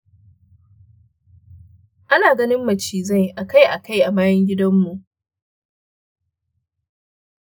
ana ganin macizai akai-akai a bayan gidanmu.